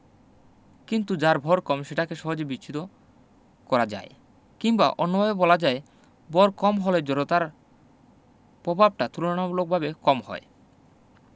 কিন্তু যার ভয় কম সেটাকে সহজে বিচ্যুত করা যায় কিংবা অন্যভাবে বলা যায় ভর কম হলে জড়তার পভাবটা তুলনামূলকভাবে কম হয়